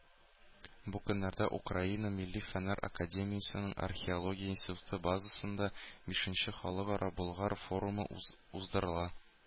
Бу көннәрдә Украина Милли фәннәр академиясенең Археология институты базасында бишенче Халыкара Болгар форумы уздырыла.